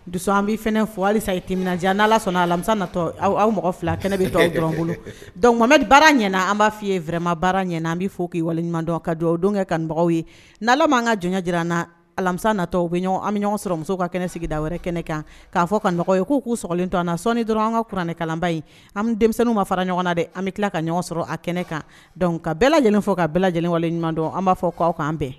Dusu an bɛ f fo halisa ye te n'a sɔnna alamisa natɔ aw mɔgɔ fila kɛnɛ bɛ dɔrɔn bolo dɔnku bɛ baara ɲ an b' f fɔi yeɛrɛma baara ɲɛna an bɛ fɔ k waliɲuman ka dugawu aw don kɛ ka dɔgɔ ye n' ala'an ka jɔn jira an na alamisa natɔ bɛ an bɛ ɲɔgɔn sɔrɔ musow ka kɛnɛ sigida wɛrɛ kɛnɛ kan k'a fɔ ka nɔgɔ ye k' k'u sogolen to an na sɔɔni dɔrɔn an ka kuranɛ kalaba in an denmisɛnnin ma fara ɲɔgɔn na dɛ an bɛ tila ka ɲɔgɔn sɔrɔ a kɛnɛ kan ka bɛɛ lajɛlen fɔ ka bɛɛ lajɛlen waliɲumandon an b'a fɔ k'aw'an bɛn